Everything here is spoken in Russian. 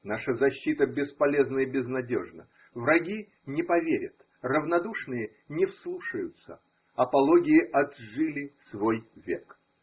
Наша защита бесполезна и безнадежна, враги не поверят, равнодушные не вслушаются. Апологии отжили свой век.